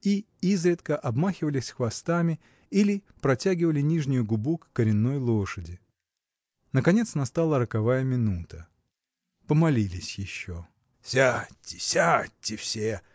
и изредка обмахивались хвостами или протягивали нижнюю губу к коренной лошади. Наконец настала роковая минута. Помолились еще. – Сядьте, сядьте все!